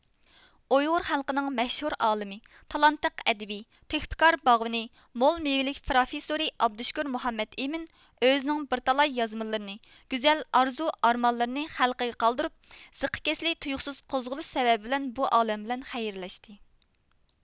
ئۇيغۇر خەلقىنىڭ مەشھۇر ئالىمى تالانتلىق ئەدىبى تۆھپىكار باغۋېنى مول مېۋىلىك پروفېسورى ئابدۇشكۇر مۇھەممەد ئىمىن ئۆزىنىڭ بىر تالاي يازمىلىرىنى گۈزەل ئارزۇ ئارمانلىرىنى خەلقىگە قالدۇرۇپ زېققا كېسىلى تۇيۇقسىز قوزغىلىشى سەۋەبى بىلەن بۇ ئالەم بىلەن خەيرلەشتى